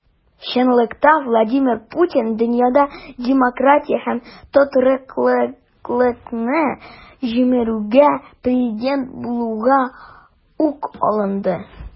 Чынлыкта Владимир Путин дөньяда демократия һәм тотрыклылыкны җимерүгә президент булуга ук алынды.